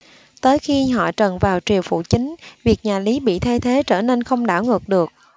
tới khi họ trần vào triều phụ chính việc nhà lý bị thay thế trở nên không đảo ngược được